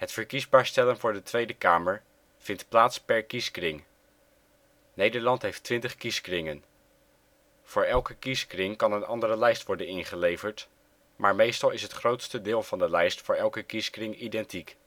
verkiesbaar stellen voor de Tweede Kamer vindt plaats per kieskring. Nederland heeft 20 kieskringen. Voor elke kieskring kan een andere lijst worden ingeleverd, maar meestal is het grootste deel van de lijst voor elke kieskring identiek